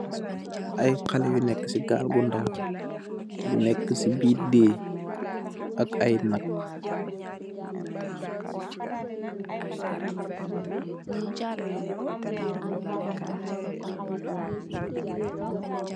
Ay xaleh yu nekka ci gàl gu ndaw, gu nèèk ci biir dèè ak ay nak.